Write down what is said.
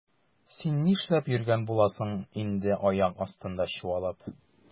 Син нишләп йөргән буласың инде аяк астында чуалып?